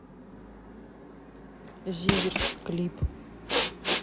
зиверт клип